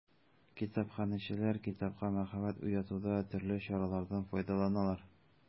Китапханәчеләр китапка мәхәббәт уятуда төрле чаралардан файдаланалар.